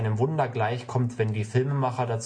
Wunder gleichkommt, wenn die Filmemacher